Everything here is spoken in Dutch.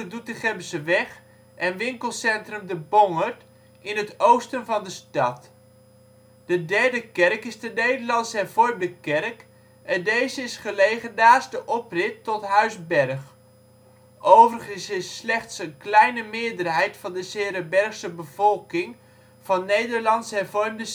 Doetinchemseweg en winkelcentrum De Bongerd in het oosten van de stad. De derde kerk is de Nederlands Hervormde kerk, en deze is gelegen naast de oprit tot Huis Bergh. Overigens is slechts een kleine minderheid van de ' s-Heerenbergse bevolking van Nederlands-Hervormde